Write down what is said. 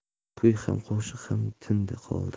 kuy ham qo'shiq ham tindi qoldi